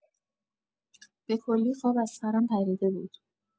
به کلی خواب از سرم پریده بود.